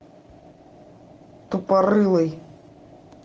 тупорылый